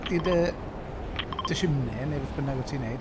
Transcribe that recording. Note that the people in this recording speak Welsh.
I dy, dy simnai neu beth bynnag o't ti'n wneud.